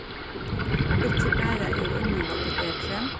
ikki bara er innihaldið betri